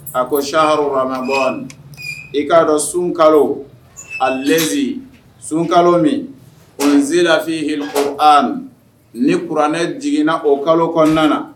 A ko saharobɔ i k'a dɔn sun kalo a lɛnz sun kalo min o n zelafin h ko a ni kuranɛ jiginna o kalo kɔnɔna